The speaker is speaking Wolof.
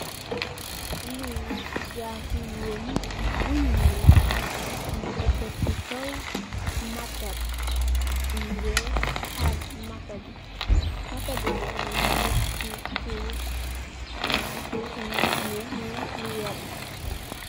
Li jààsi weñ bu ñuul ñing ko tèk ci kaw mara bi mugèè xar mata bi, mata bi nak ñing ko tèk ci suuf mugii ameh ñax yu werta.